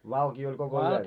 valkea oli koko yön